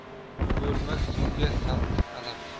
ko'lmak suvga sassiq alaf